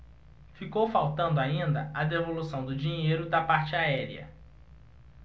ficou faltando ainda a devolução do dinheiro da parte aérea